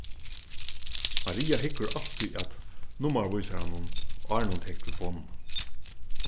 maria hyggur altíð at nummarvísaranum áðrenn hon tekur telefonina